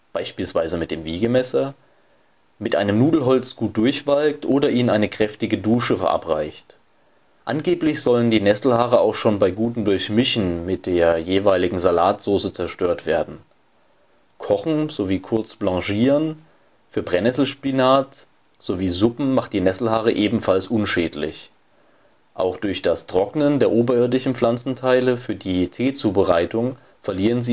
beispielsweise mit dem Wiegemesser), mit einem Nudelholz gut durchwalkt oder ihnen eine kräftige Dusche verabreicht. Angeblich sollen die Nesselhaare auch schon bei gutem durchmischen mit der jeweiligen Salatsauce zerstört werden. Kochen sowie kurz blanchieren für Brennnesselspinat sowie - suppe macht die Nesselhaare ebenfalls unschädlich. Auch durch das Trocknen der oberirdischen Pflanzenteile für die Teezubereitung, verliert